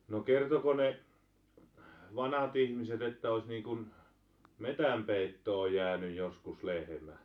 no kertoiko ne vanhat ihmiset että olisi niin kuin metsänpeittoon jäänyt joskus lehmä